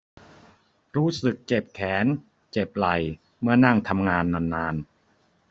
รู้สึกเจ็บแขนเจ็บไหล่เมื่อนั่งทำงานนานนาน